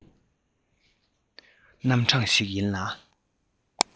རྣམ གྲངས ཤིག ཡིན ལ